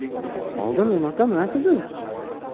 oldin unaqa emasdi